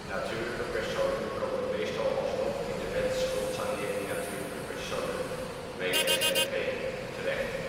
Natuurlijke personen komen meestal alsnog in de Wet schuldsanering natuurlijke personen (Wsnp) terecht